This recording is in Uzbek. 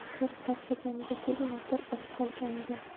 bir charchaganga tegma bir och qolganga